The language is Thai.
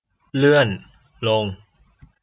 เลื่อนลง